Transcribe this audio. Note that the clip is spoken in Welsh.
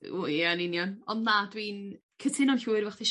W ia yn union. Ond na dwi'n cytuno'n llwyr efo chdi